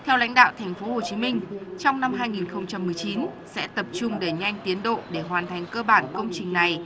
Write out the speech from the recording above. theo lãnh đạo thành phố hồ chí minh trong năm hai nghìn không trăm mười chín sẽ tập trung đẩy nhanh tiến độ để hoàn thành cơ bản công trình này